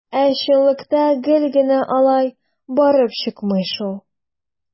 Ә чынлыкта гел генә алай барып чыкмый шул.